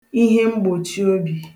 ihemgbòchiobì